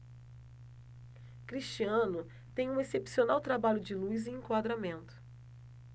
cristiano tem um excepcional trabalho de luz e enquadramento